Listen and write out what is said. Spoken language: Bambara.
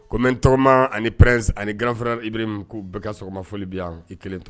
Ko mɛ tɔgɔma ani pɛzs ani gfaɛrɛ ibri bɛɛ sɔgɔma foli bɛ yan i kelen to